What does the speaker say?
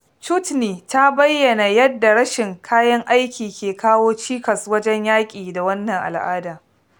Chutni ta bayyana yadda rashin kayan aiki ke kawo cikas wajen yaƙi da wannan al'ada.